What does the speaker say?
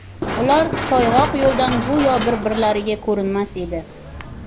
ular toyg'oq yo'ldan go'yo bir birlariga ko'rinmas edi